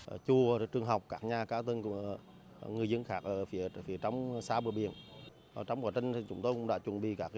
cả chùa để trường học các nhà cao tầng của những người dân khác ở phía để phía trong xa bờ biển ở trong tình hình trung đông đã chuẩn bị các